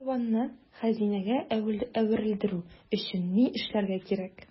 Бу хайванны хәзинәгә әверелдерү өчен ни эшләргә кирәк?